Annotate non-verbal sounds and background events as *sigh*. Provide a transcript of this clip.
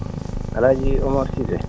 *noise* El Hadj Omar Cissé